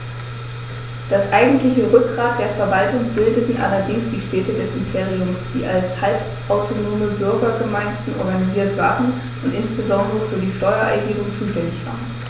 Das eigentliche Rückgrat der Verwaltung bildeten allerdings die Städte des Imperiums, die als halbautonome Bürgergemeinden organisiert waren und insbesondere für die Steuererhebung zuständig waren.